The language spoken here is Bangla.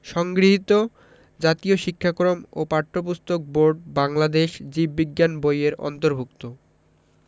সংগৃহীত জাতীয় শিক্ষাক্রম ও পাঠ্যপুস্তক বোর্ড বাংলাদেশ জীব বিজ্ঞান বই এর অন্তর্ভুক্ত